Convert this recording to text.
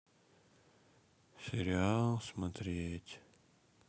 сериал смотреть